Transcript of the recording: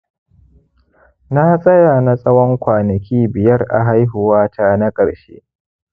na tsaya na tsawon kwanaki biyar a haihuwata na karshe